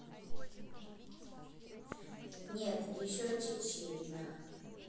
нет еще чечина